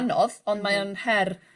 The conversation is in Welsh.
...anodd ond mae o'n her